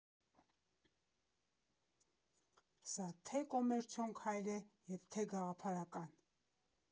Սա թե՛ կոմերցիոն քայլ է և թե՛ գաղափարական։